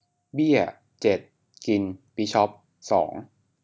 เบี้ยเจ็ดกินบิชอปสอง